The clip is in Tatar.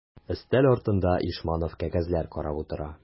Өстәл артында Ишманов кәгазьләр карап утыра.